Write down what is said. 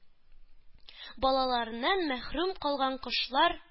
Балаларыннан мәхрүм калган кошлар